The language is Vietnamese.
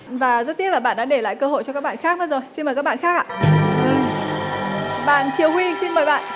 và rất tiếc là bạn đã để lại cơ hội cho các bạn khác mất rồi xin mời các bạn khác ạ bạn triều huy xin mời bạn